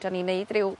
'di o'n ni neud ryw